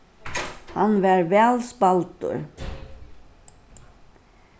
hann var væl spældur